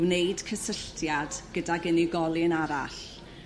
gwneud cysylltiad gydag unigolyn arall